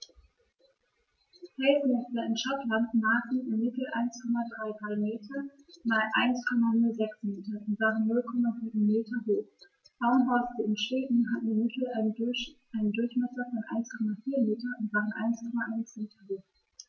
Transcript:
Felsnester in Schottland maßen im Mittel 1,33 m x 1,06 m und waren 0,79 m hoch, Baumhorste in Schweden hatten im Mittel einen Durchmesser von 1,4 m und waren 1,1 m hoch.